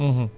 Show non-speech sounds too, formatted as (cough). (hesitation) (hesitation)